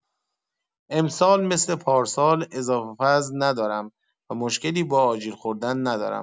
امسال مثل پارسال اضافه‌وزن ندارم و مشکلی با آجیل خوردن ندارم.